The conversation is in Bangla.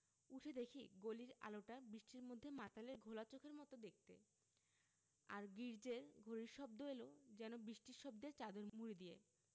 উঠে দেখি গলির আলোটা বৃষ্টির মধ্যে মাতালের ঘোলা চোখের মত দেখতে আর গির্জ্জের ঘড়ির শব্দ এল যেন বৃষ্টির শব্দের চাদর মুড়ি দিয়ে